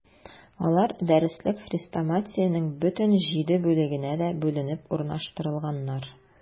Алар дәреслек-хрестоматиянең бөтен җиде бүлегенә дә бүленеп урнаштырылганнар.